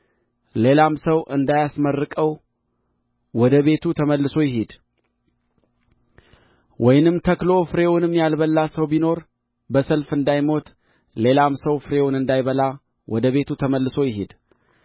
ሌላም ሰው እንዳያስመርቀው ወደ ቤቱ ተመልሶ ይሂድ ወይንም ተክሎ ፍሬውንም ያልበላ ሰው ቢኖር በሰልፍ እንዳይሞት ሌላም ሰው ፍሬውን እንዳይበላ ወደ ቤቱ ተመልሶ ይሂድ